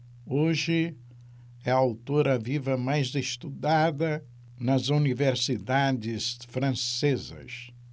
hoje é a autora viva mais estudada nas universidades francesas